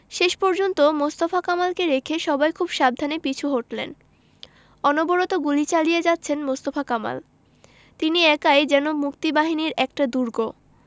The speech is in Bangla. শেষ পর্যন্ত মোস্তফা কামালকে রেখে সবাই খুব সাবধানে পিছু হটলেন অনবরত গুলি চালিয়ে যাচ্ছেন মোস্তফা কামাল তিনি একাই যেন মুক্তিবাহিনীর একটা দুর্গ